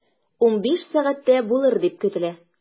15.00 сәгатьтә булыр дип көтелә.